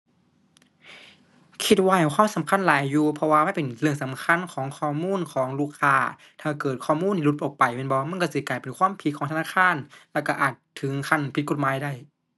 คิดว่าให้ความสำคัญหลายอยู่ เพราะว่ามันเป็นเรื่องสำคัญของข้อมูลของลูกค้า ถ้าเกิดข้อมูลหลุดออกไปแม่นบ่ มันก็สิกลายเป็นความผิดของธนาคาร แล้วก็อาจถึงขั้นผิดกฎหมายได้